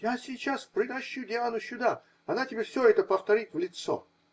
-- Я сейчас притащу Диану сюда, она тебе все это повторит в лицо.